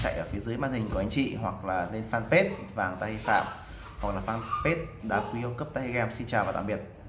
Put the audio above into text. đang chạy phía dưới màn hình anh chị hoặc lên fanpage vàng tahi phạm hoặc fanpage đá quý cao cấp tahigems